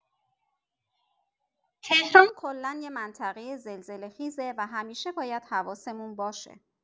تهران کلا یه منطقه زلزله‌خیزه و همیشه باید حواسمون باشه.